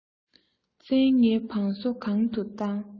བཙན ལྔའི བང སོ གང དུ བཏབ